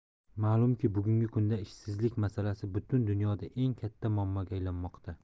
ma'lumki bugungi kunda ishsizlik masalasi butun dunyoda eng katta muammoga aylanmoqda